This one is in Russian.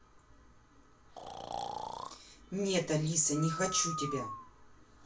нет алиса не хочу тебя